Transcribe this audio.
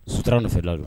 Sutura nasɛda la